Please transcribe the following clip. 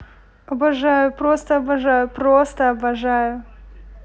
обожаю просто обожаю просто обожаю